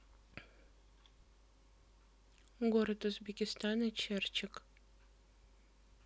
город узбекистана черчик